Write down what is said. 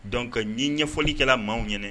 Dɔnku ka ɲi ɲɛfɔlikɛla maaw ɲɛna